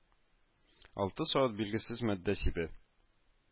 Алты савыт билгесез матдә сибә